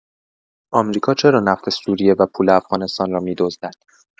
آمریکا چرا نفت سوریه و پول افغانستان را می‌دزدد؟